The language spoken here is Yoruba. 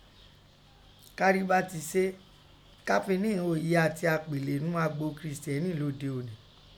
Kàrí báa, ti se, káa fi nẹ́ ìghon oyè ati àpèlé ńnu agbo Kírísítẹ́nì lóde òní i?